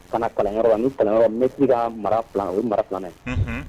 Kana kalanyɔrɔ, ni kalan yɔrɔ la, ani maitre ka mara, o ye mara 2 nan ye.